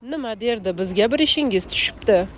nima derdi bizga bir ishingiz tushibdi